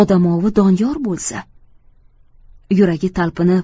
odamovi doniyor bo'lsa yuragi talpinib